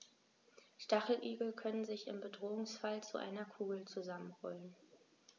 Stacheligel können sich im Bedrohungsfall zu einer Kugel zusammenrollen.